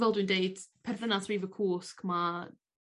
fel dwi'n deud perthynas fi 'fo cwsg ma'